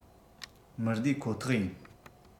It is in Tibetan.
མི བདེ ཁོ ཐག ཡིན